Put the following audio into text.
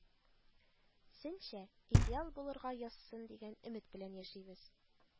Сенчә, идеал булырга язсын дигән өмет белән яшибез